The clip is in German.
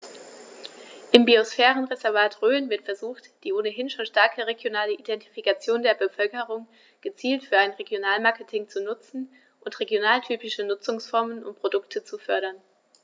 Im Biosphärenreservat Rhön wird versucht, die ohnehin schon starke regionale Identifikation der Bevölkerung gezielt für ein Regionalmarketing zu nutzen und regionaltypische Nutzungsformen und Produkte zu fördern.